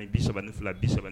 Bi saba ni fila bi sɛbɛn